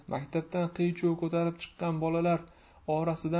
maktabdan qiy chuv ko'tarib chiqqan bolalar orasidan